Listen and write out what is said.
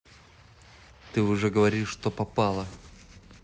ты уже говоришь что попало